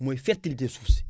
mooy fertilité suuf si